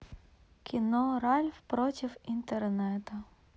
кино ральф против интернета